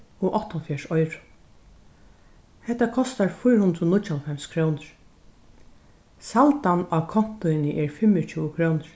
og áttaoghálvfjerðs oyru hetta kostar fýra hundrað og níggjuoghálvfems krónur saldan á kontoini er fimmogtjúgu krónur